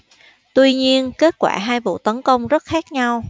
tuy nhiên kết quả hai vụ tấn công rất khác nhau